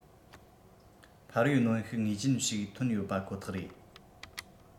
འཕར བའི གནོན ཤུགས ངེས ཅན ཞིག ཐོན ཡོད པ ཁོ ཐག རེད